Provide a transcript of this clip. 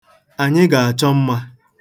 Anyị ga-achọ mma.